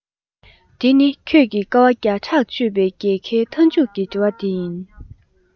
འདི ནི ཁྱོད ཀྱིས དཀའ བ བརྒྱ ཕྲག སྤྱོད པའི རྒྱལ ཁའི མཐའ མཇུག གི དྲི བ དེ ཡིན